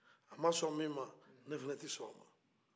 a ma sɔn mi ma ne fana tɛ sɔn o ma